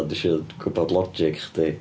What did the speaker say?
A dwi isio gwbod logic chdi.